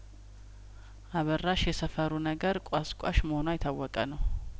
አበራሽ የሰፈሩ ነገር ቆስቋሽ መሆኗ የታወቀ ነው